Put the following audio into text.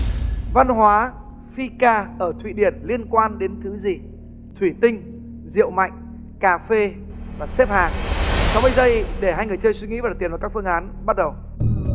văn hóa phi ca ở thụy điển liên quan đến thứ gì thủy tinh rượu mạnh cà phê và xếp hàng sáu mươi giây để hai người chơi suy nghĩ và đặt tiền vào các phương án bắt đầu